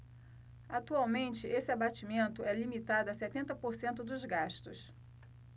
atualmente esse abatimento é limitado a setenta por cento dos gastos